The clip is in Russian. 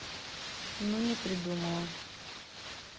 ну не придумала